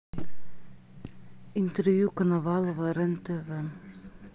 интервью коновалова рен тв